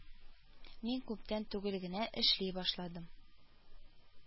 Мин күптән түгел генә эшли башладым